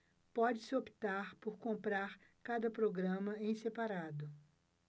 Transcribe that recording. pode-se optar por comprar cada programa em separado